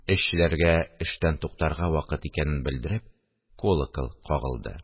Эшчеләргә эштән туктарга вакыт икәнен белдереп, колокол кагылды